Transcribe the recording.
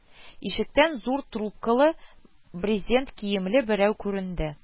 Ишектән зур трубкалы, брезент киемле берәү күренде: